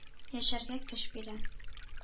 Яшәргә көч бирә.